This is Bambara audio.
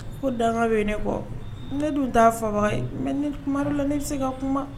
Ko danga bɛ ne kɔ, ne dun t'a fɔbaga ye, _mais ne tuma dɔw la ne bɛ se ka kuma